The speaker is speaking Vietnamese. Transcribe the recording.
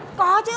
có chứ